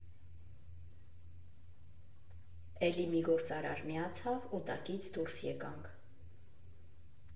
Էլի մի գործարար միացավ ու տակից դուրս եկանք։